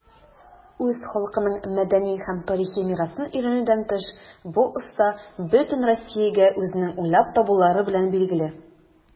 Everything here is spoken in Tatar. Үз халкының мәдәни һәм тарихи мирасын өйрәнүдән тыш, бу оста бөтен Россиягә үзенең уйлап табулары белән билгеле.